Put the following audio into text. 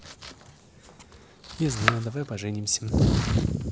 я знаю давай поженимся